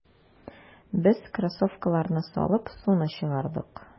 Без кроссовкаларны салып, суны чыгардык.